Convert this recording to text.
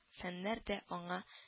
Фәннәр дә аңа